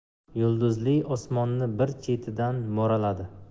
yulduzli osmonni bir chetidan mo'raladi